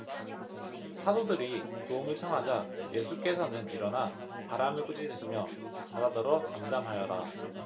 사도들이 도움을 청하자 예수께서는 일어나 바람을 꾸짖으시며 바다더러 잠잠하여라